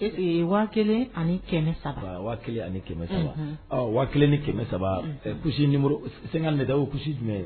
Eee waati kelen ani kɛmɛ saba ani kɛmɛ saba waati kelen ni kɛmɛ saba kusi ni sen ka nɛgɛsi jumɛn